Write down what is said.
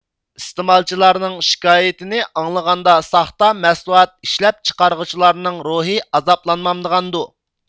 ئىستېمالچىلارنىڭ شىكايىتىنى ئاڭلىغاندا ساختا مەھسۇلات ئىشلەپ چىقارغۇچىلارنىڭ روھى ئازابلانمامدىغاندۇر